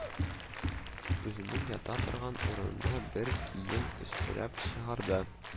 Үзенең ята торган урыныннан бер кием өстерәп чыгарды